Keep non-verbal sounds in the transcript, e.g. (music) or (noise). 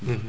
(hesitation) (hesitation)